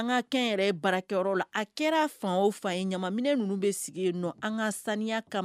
An ka bara a kɛra fan fa ye ɲama bɛ sigi an ka sanu